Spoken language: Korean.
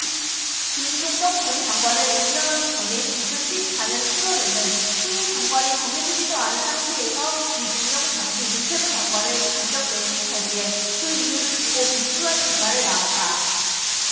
김종덕 전 장관을 임명하기 전인 이천 십 사 년 칠 월에는 후임 장관이 정해지지도 않은 상태에서 유진룡 당시 문체부 장관을 전격 면직 처리해 그 이유를 두고 무수한 뒷말을 낳았다